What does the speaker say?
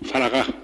Fara